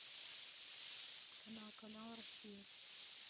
канал канал россия